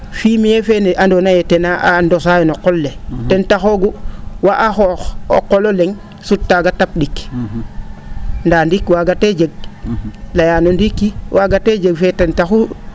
fumier : fra feene andoona yee ten a ndosaayo no qol le ten taxoogu waa'a xoox o qol o le? sutaaga tap ?iq ndaa ndiiki wagaatee jeg layaano ndiiki waaga te jeg fee ten taxu